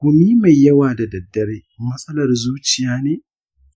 gumi mai yawa da daddare matsalar zuciya ne?